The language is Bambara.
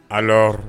Alors